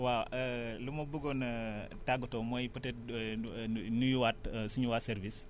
waaw lu ma bëggoon a tàggatoo mooy peut être nuyuwaat suñu waa service